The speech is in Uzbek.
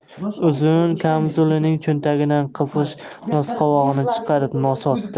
uzun kamzulining cho'ntagidan qizg'ish nosqovog'ini chiqarib nos otdi